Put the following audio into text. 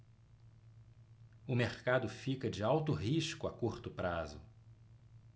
o mercado fica de alto risco a curto prazo